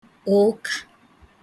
ụ̀ụkà